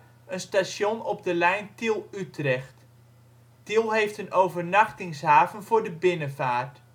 station op de lijn Tiel - Utrecht. Tiel heeft een overnachtingshaven voor de binnenvaart